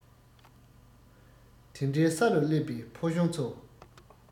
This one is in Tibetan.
དེ འདྲའི ས རུ སླེབས པའི ཕོ གཞོན ཚོ